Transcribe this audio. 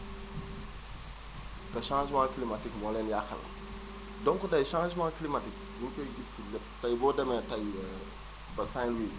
te changement climatique moo leen yàqal donc tey changement climatique ñu ngi koy gis si lépp tey boo demee tey ba Saint-Louis